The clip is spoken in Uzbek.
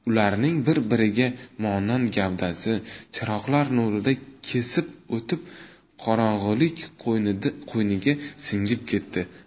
ularning bir biriga monand gavdasi chiroqlar nurini kesib o'tib qorong'ilik qo'yniga singib ketdi